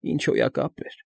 Ի՜նչ հոյակապ էր։